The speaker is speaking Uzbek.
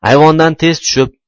ayvondan tez tushib